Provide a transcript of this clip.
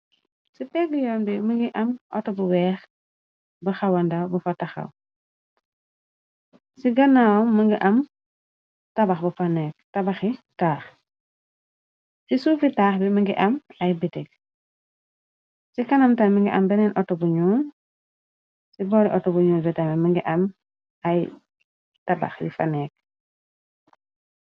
Ci pegg yoon bi më ngi am auto bu weex, bu xawanda bu fa taxaw, ci ganaaw mëngi am tbaxbuntabaxi taax, ci suufi taax bi m ngi am ay bitik, ci kanamta mi ngi am beneen atobuñu, ci boori auto bu ñu vita bi mëngi am, ay tabax li fanekk.